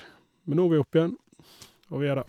Men nå er vi oppe igjen, og vi er der.